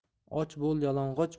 och bo'l yalang'och